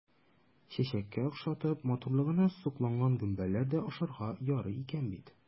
Чәчәккә охшатып, матурлыгына сокланган гөмбәләр дә ашарга ярый икән бит!